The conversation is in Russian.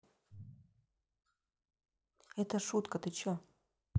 это шутка ты че